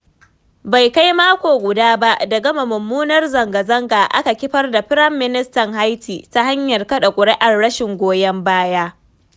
Bai kai mako guda ba da gama mummunar zangazanga aka kifar da Firaministan Haiti ta hanyar kaɗa ƙuri'ar rashin goyon baya.